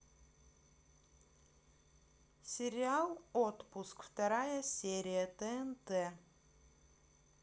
сериал отпуск вторая серия тнт